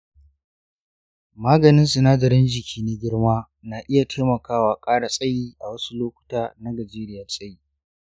maganin sinadarin jiki na girma na iya taimaka wa ƙara tsayi a wasu lokuta na gajeriyar tsayi.